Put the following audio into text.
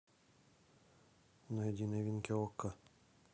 найди новинки окко